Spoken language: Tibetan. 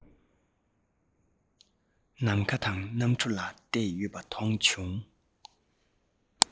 ནམ མཁའ དང གནམ གྲུ ལ གཏད ཡོད པ མཐོང བྱུང